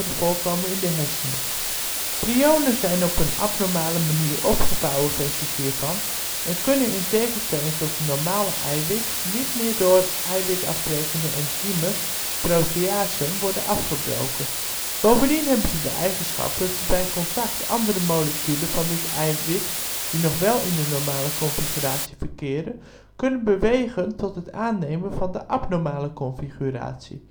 voorkomen in de hersenen. Prionen zijn op een abnormale manier opgevouwen versies hiervan en kunnen in tegenstelling tot het normale eiwit niet meer door eiwitafbrekende-enzymen (proteasen) worden afgebroken. Bovendien hebben ze de eigenschap dat ze bij contact andere moleculen van dit eiwit die nog wel in de normale configuratie verkeren, kunnen bewegen tot het aannemen van de abnormale configuratie